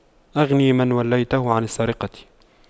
أغن من وليته عن السرقة